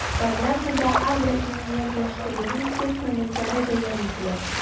Программада агроиминиятләштерүнең төп моментлары бәян ителә.